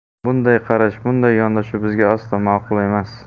bunday qarash bunday yondashuv bizga aslo ma'qul emas